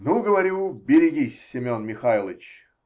--Ну, -- говорю, -- берегись, Семен Михайлыч.